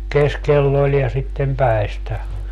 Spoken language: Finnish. keskellä oli ja sitten päistä